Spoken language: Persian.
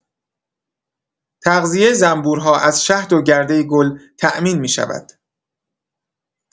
تغذیه زنبورها از شهد و گرده گل تأمین می‌شود.